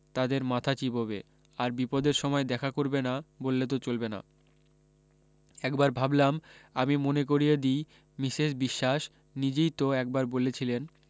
তাদের মাথা চিবোবে আর বিপদের সময় দেখা করবে না বললে তো চলবে না একবার ভাবলাম আমি মনে করিয়ে দিই মিসেস বিশ্বাস নিজই তো একবার বলেছিলেন